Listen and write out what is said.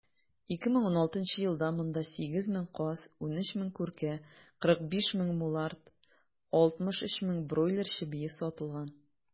2016 елда монда 8 мең каз, 13 мең күркә, 45 мең мулард, 63 мең бройлер чебие сатылган.